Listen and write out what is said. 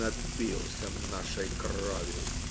Напился нашей крови.